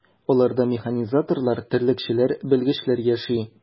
Аларда механизаторлар, терлекчеләр, белгечләр яши.